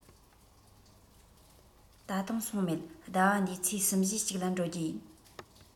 ད དུང སོང མེད ཟླ བ འདིའི ཚེས གསུམ བཞིའི གཅིག ལ འགྲོ རྒྱུུ ཡིན